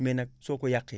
mais nag soo ko yàqee